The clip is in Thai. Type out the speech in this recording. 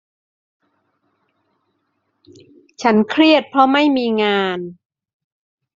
ฉันเครียดเพราะไม่มีงาน